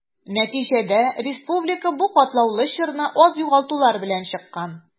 Нәтиҗәдә республика бу катлаулы чорны аз югалтулар белән чыккан.